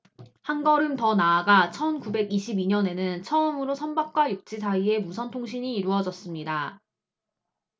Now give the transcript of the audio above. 한 걸음 더 나아가 천 구백 이십 이 년에는 처음으로 선박과 육지 사이에 무선 통신이 이루어졌습니다